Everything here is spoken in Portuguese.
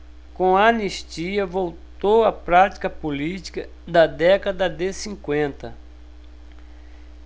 com a anistia voltou a prática política da década de cinquenta